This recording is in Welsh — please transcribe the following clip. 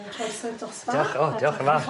Wel croeso i'r dosbarth. Diolch iawn diolch yn fawr.